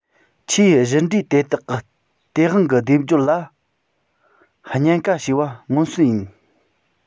ཆུའི བཞུར འགྲོས དེ དག གི སྟེས དབང གི སྡེབ སྦྱོར ལ སྨྱན ག བྱས པ མངོན གསལ ཡིན